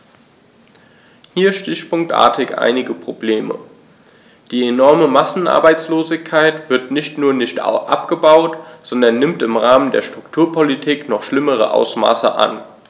Hier stichpunktartig einige Probleme: Die enorme Massenarbeitslosigkeit wird nicht nur nicht abgebaut, sondern nimmt im Rahmen der Strukturpolitik noch schlimmere Ausmaße an.